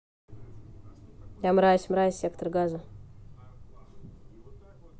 я мразь мразь сектор газа